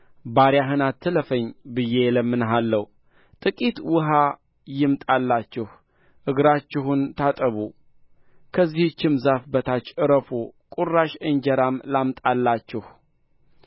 ባሪያህን አትለፈኝ ብዬ እለምናለሁ ጥቂት ውኃ ይምጣላችሁ እግራችሁን ታጠቡ ከዚህችም ዛፍ በታች ዕረፉ ቍራሽ እንጀራም ላምጣላችሁ